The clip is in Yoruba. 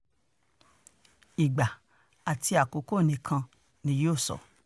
Ìgbà àti àkókò nìkan ni yóò sọ.